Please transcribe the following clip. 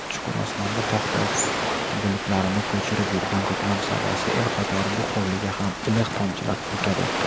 chuqur osmonda tog' tog' bulutlarni ko'chirib yurgan ko'klam sabosi el qatori bu hovliga ham iliq tomchilar purkab o'tdi